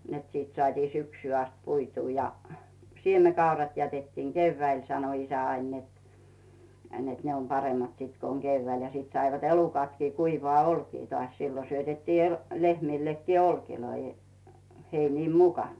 että sitten saatiin syksyyn asti puitua ja siemenkaurat jätettiin keväällä sanoi isä aina että että ne on paremmat sitten kun on keväällä ja sitten saivat elukatkin kuivaa olkea taas silloin syötettiin - lehmillekin olkia heinien mukana